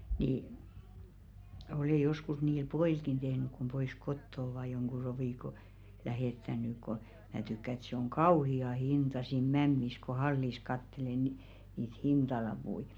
niin olen joskus niille pojillekin tehnyt kun pois kotoa ovat jonkun rovikon lähettänyt kun minä tykkään että se on kauhea hinta siinä mämmissä kun hallissa katselee - niitä hintalappuja